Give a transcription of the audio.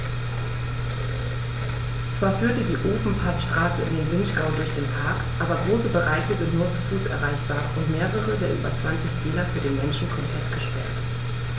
Zwar führt die Ofenpassstraße in den Vinschgau durch den Park, aber große Bereiche sind nur zu Fuß erreichbar und mehrere der über 20 Täler für den Menschen komplett gesperrt.